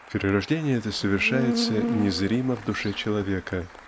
Перерождение это совершается незримо в душе человека